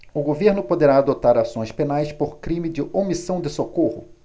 o governo poderá adotar ações penais por crime de omissão de socorro